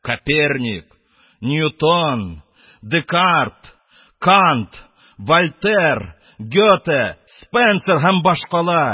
Коперник, Ньютон, Декарт, Кант, Вольтер, Гете, Спенсер һәм башкалар,-